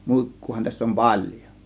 muikkuahan tässä on paljon